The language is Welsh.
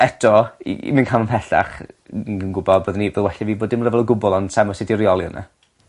Eto i i fynd cam ymhellach n- ni gy' yn gwbo byddwn i by well 'da fi bod dim ryfel o gwbwl ond sai'n gwbo sut i reoli wnna.